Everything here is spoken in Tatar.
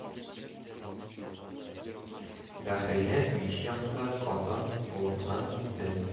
Бәхрия мич якты, казан алынган иде